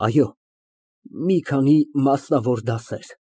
Այո, մի քանի մասնավոր դասեր։